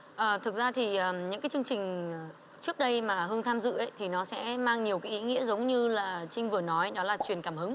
ờ thực ra thì những cái chương trình trước đây mà hương tham dự ấy thì nó sẽ mang nhiều cái ý nghĩa giống như là trinh vừa nói đó là truyền cảm hứng